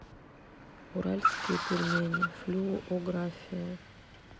уральские пельмени флюорография